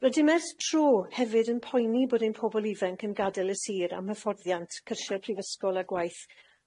Rydym ers tro hefyd yn poeni bod ein pobol ifanc yn gadael y sir am hyfforddiant cyrsiau'r prifysgol a gwaith,